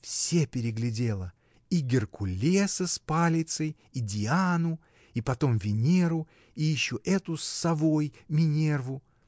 Все переглядела — и Геркулеса с палицей, и Диану, и потом Венеру, и еще эту с совой, Минерву.